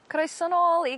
Croeso nôl i...